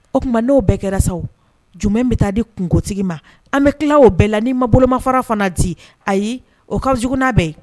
O tuma n'o bɛɛ kɛra sa jumɛn bɛ taa di kuntigi ma an bɛ tila o bɛɛ la n'i ma bolomafara fana di ayi o ka zurunina bɛn